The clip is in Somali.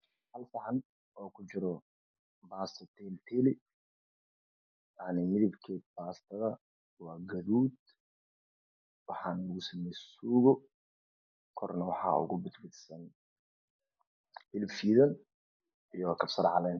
Hal saxan oo kujiro baasto midabkiisu waa gaduud waxaa lugu sameeyey suugo oo ah hilib shiidan iyo kabsar caleen.